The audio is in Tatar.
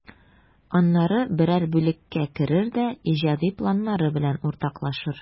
Аннары берәр бүлеккә керер дә иҗади планнары белән уртаклашыр.